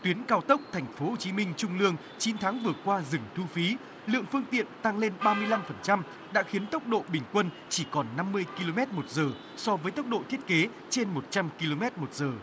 tuyến cao tốc thành phố chí minh trung lương chín tháng vừa qua dừng thu phí lượng phương tiện tăng lên ba mươi lăm phần trăm đã khiến tốc độ bình quân chỉ còn năm mươi ki lô mét một giờ so với tốc độ thiết kế trên một trăm ki lô mét một giờ